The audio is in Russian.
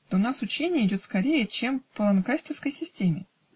-- Да у нас учение идет скорее, чем по ланкастерской системе".